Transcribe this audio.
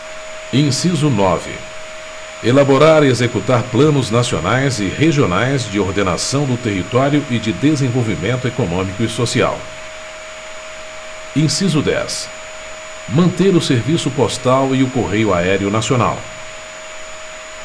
inciso nove elaborar e executar planos nacionais e regionais de ordenação do território e de desenvolvimento econômico e social inciso dez manter o serviço postal e o correio aéreo nacional